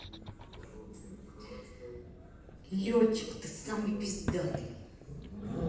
летчик ты самый пиздатый